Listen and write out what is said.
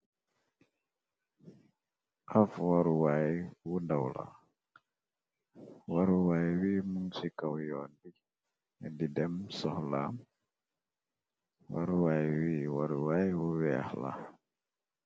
Xaf waruwaay wu dawla waruwaay wi mun ci kaw yoon bi di dem soxlaam waruwaay wii waruwaay wu weex la.